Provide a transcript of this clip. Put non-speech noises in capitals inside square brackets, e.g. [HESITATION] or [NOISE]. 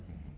[HESITATION] [HESITATION]